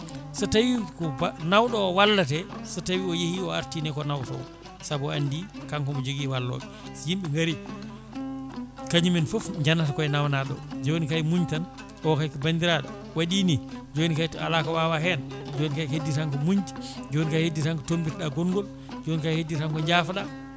so tawi ko nawɗo o wallete so tawi o yeehi o artine ko nawtowo saabu o andi kanko omo joogui walloɓe so yimɓe gaari kañumen foof janata koye nawanaɗo o joni kayi muñ tan o kay ko bandiraɗo waɗi ni joni kayi ala ko wawa hen joni kayi heddi tan ko muñde joni kayi heddi tan ko tombitoɗa gongol joni kay heddi tan ko jaafoɗa